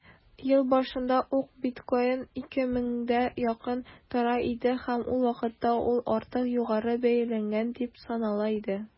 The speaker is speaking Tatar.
Ел башында ук биткоин 2 меңгә якын тора иде һәм ул вакытта ук артык югары бәяләнгән дип санала иде.